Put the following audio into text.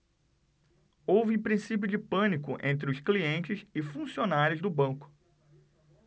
houve princípio de pânico entre os clientes e funcionários do banco